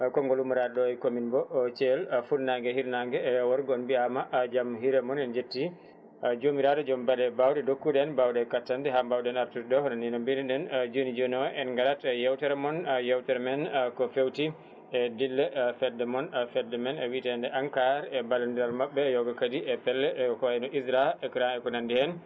konggol ummorade ɗo e commune mo Thiel funnague e hirnague rewo e worgo on mbiyama jaam hiire moon en jetti jomiraɗo joom baaɗe mbawɗe dokkuɗo en mbawɗe e kattanɗe ha mbawɗen artude ɗo hono ni no mbino ɗen joni joni o en garat e yewtere moon yewtere men ko fewti e dille fedde moon fedde men wiitede ENCAR e ballodiral mabɓe kadi pelle ko wayno ISRA e AICCRA ko nandi hen